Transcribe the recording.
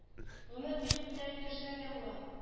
Гомер буе күтәреп йөрсәң дә була